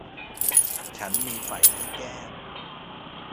ฉันมีไฝที่แก้ม